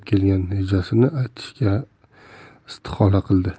kelgan rejasini aytishga istihola qildi